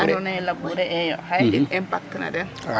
we andoona yee labourer eyo xaye jeg impact na den?